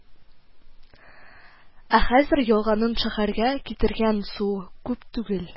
Ә хәзер елганың шәһәргә китергән суы күп түгел